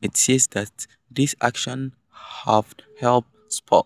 It says that these actions have helped spur